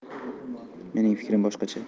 mening fikrim boshqacha